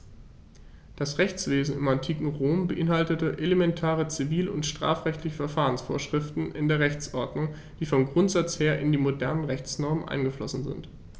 Das Rechtswesen im antiken Rom beinhaltete elementare zivil- und strafrechtliche Verfahrensvorschriften in der Rechtsordnung, die vom Grundsatz her in die modernen Rechtsnormen eingeflossen sind.